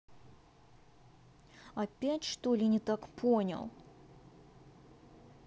опять что ли не так понял